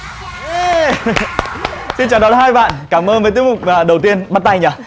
ê xin chào đón hai bạn cảm ơn với tiết mục à đầu tiên bắt tay nhở